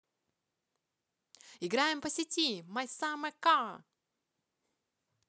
играем по сети my summer car